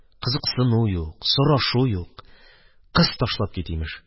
Кызыксыну юк, сорау юк, кыз ташлап кит, имеш.